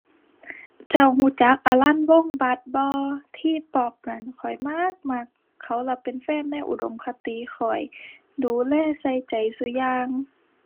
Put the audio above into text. เจ้ารู้จักอลันวง BUS บ่ T-pop นั่น ข้อยมักมัก เขาล่ะเป็นแฟนในอุดมคติข้อย ดูแลใส่ใจซุอย่าง